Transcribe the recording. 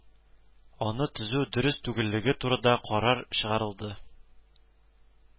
Аны төзү дөрес түгеллеге турында карар чыгарылды